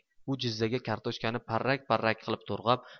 shu jizzaga kartoshkani parrak parrak qilib to'g'rab